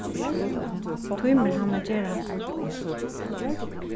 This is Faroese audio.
tímir hann at gera hatta